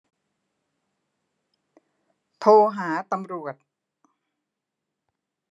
โทรหาตำรวจ